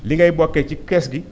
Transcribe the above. li ngay bokkee ci kees gi